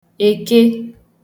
Ẹ̀kẹ